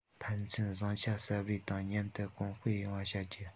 ཕན ཚུན བཟང ཆ གསབ རེས དང མཉམ དུ གོང འཕེལ ཡོང བ བྱ རྒྱུ